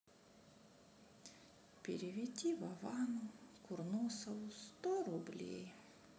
переведи вовану курносову сто рублей